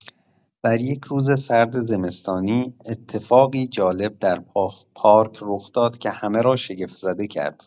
در یک روز سرد زمستانی، اتفاقی جالب در پارک رخ داد که همه را شگفت‌زده کرد.